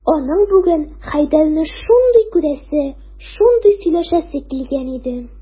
Аның бүген Хәйдәрне шундый күрәсе, шундый сөйләшәсе килгән иде...